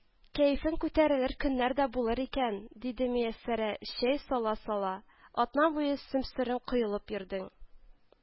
—кәефең күтәрелер көннәр дә булыр икән,—диде мияссәрә чәй сала сала,—атна буе сөмсерең коелып йөрдең